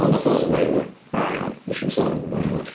Ond wnaeth o syfaifio... O iawn... Wnes i'm sôn am y boi arall.